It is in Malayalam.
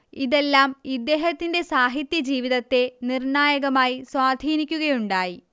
ഇതെല്ലാം ഇദ്ദേഹത്തിന്റെ സാഹിത്യജീവിതത്തെ നിർണായകമായി സ്വാധീനിക്കുകയുണ്ടായി